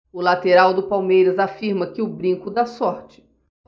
o lateral do palmeiras afirma que o brinco dá sorte